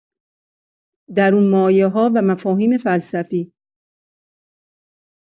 درون‌مایه‌ها و مفاهیم فلسفی